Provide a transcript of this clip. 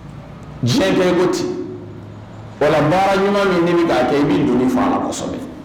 Diɲɛ kɛlen bɛ ten, o la baara ɲuman min bɛ yen n'i bɛ k'a kɛ i b'i golo fa a la kosɛbɛ.